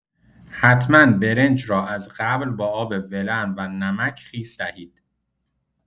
حتما برنج را از قبل با آب ولرم و نمک خیس دهید.